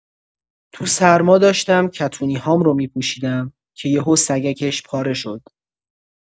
تو سرما داشتم کتونی‌هام رو می‌پوشیدم که یهو سگکش پاره شد.